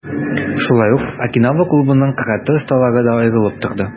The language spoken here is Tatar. Шулай ук, "Окинава" клубының каратэ осталары да аерылып торды.